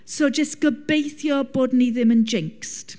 So jyst gobeithio bod ni ddim yn jinxed.